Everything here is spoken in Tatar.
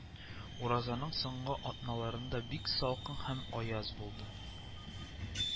Уразаның соңгы атналарында бик салкын һәм аяз булды